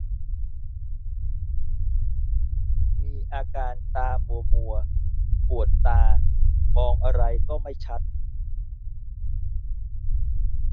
มีอาการตามัวมัวปวดตามองอะไรก็ไม่ชัด